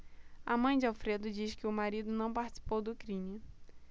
a mãe de alfredo diz que o marido não participou do crime